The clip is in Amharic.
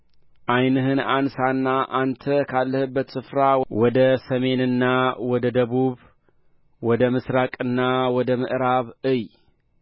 ዓይንህን አንሣና አንተ ካለህበት ስፍራ ወደ ሰሜንና ወደ ደቡብ ወደ ምሥራቅና ወደ ምዕራብ እይ